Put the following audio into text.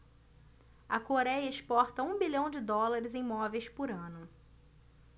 a coréia exporta um bilhão de dólares em móveis por ano